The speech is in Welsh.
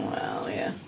Wel ia.